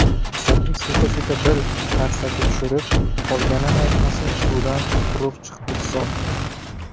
asadbek so'ka so'ka bir tarsaki tushirib qolganini aytmasak suvdan quruq chiqdi hisob